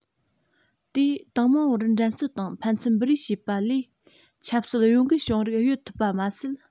དེས ཏང མང བར འགྲན རྩོད དང ཕན ཚུན འབུད རེས བྱས པ ལས ཆབ སྲིད གཡོ འགུལ བྱུང རིགས གཡོལ ཐུབ པ མ ཟད